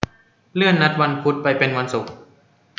เลื่อนนัดวันพุธไปเป็นวันศุกร์